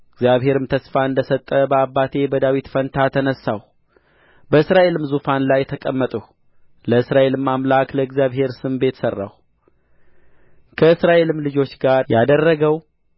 እግዚአብሔርም ተስፋ እንደ ሰጠ በአባቴ በዳዊት ፋንታ ተነሣሁ በእስራኤልም ዙፋን ላይ ተቀመጥሁ ለእስራኤልም አምላክ ለእግዚአብሔር ስም ቤት ሠራሁ ከእስራኤልም ልጆች ጋር ያደረገው